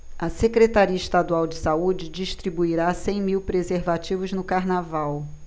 a secretaria estadual de saúde distribuirá cem mil preservativos no carnaval